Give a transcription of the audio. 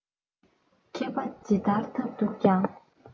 མཁས པ ཇི ལྟར ཐབས རྡུགས ཀྱང